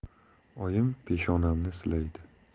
oyim peshonamni silaydi